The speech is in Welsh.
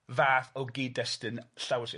fath o gyd-destun, llawysgrif.